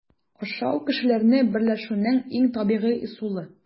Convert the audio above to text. Ашау - кешеләрне берләшүнең иң табигый ысулы.